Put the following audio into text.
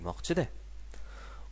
demoqchi da